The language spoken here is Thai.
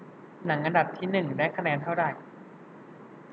หนังอันดับที่หนึ่งได้คะแนนเท่าไหร่